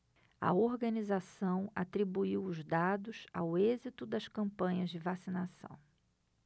a organização atribuiu os dados ao êxito das campanhas de vacinação